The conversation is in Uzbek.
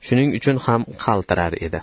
shuning uchun qaltirar